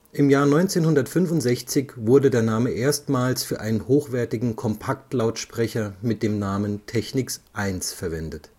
1965 wurde der Name erstmals für einen hochwertigen Kompaktlautsprecher (Technics 1) verwendet